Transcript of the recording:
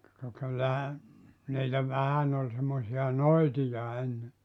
ka kyllähän niitä vähän oli semmoisia noitia ennen